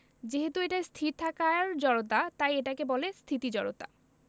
যেহেতু এটা স্থির থাকার জড়তা তাই এটাকে বলে স্থিতি জড়তা